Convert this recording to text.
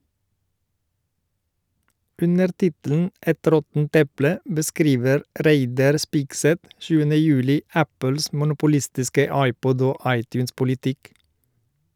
Under tittelen «Et råttent eple» beskriver Reidar Spigseth 7. juli Apples monopolistiske iPod- og iTunes-politikk.